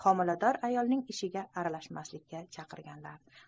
homilador ayolning ishiga aralashmaslikka chaqiradigan